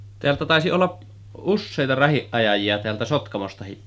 Täältä taisi olla useita rahdinajajia täältä Sotkamostakin